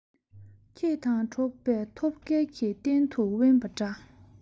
ཁྱེད དང འགྲོགས པའི ཐོབ སྐལ གྱིས གཏན དུ དབེན པ འདྲ